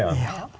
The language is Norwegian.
ja.